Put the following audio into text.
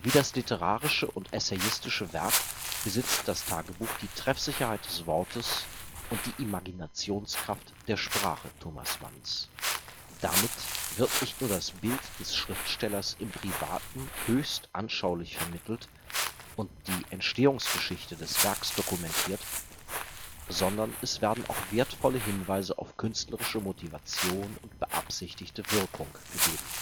das literarische und essayistische Werk besitzt das Tagebuch die Treffsicherheit des Wortes und die Imaginationskraft der Sprache Thomas Manns. Damit wird nicht nur das Bild des Schriftstellers im Privaten höchst anschaulich vermittelt und die Entstehungsgeschichte des Werks dokumentiert, sondern es werden auch wertvolle Hinweise auf künstlerische Motivation und beabsichtigte Wirkung gegeben